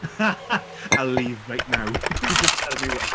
I'll leave right now. You just tell me when!